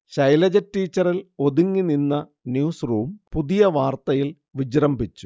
ശൈലജ ടീച്ചറിൽ ഒതുങ്ങിനിന്ന ന്യൂസ്റൂം പുതിയ വാർത്തയിൽ വിജൃംഭിച്ചു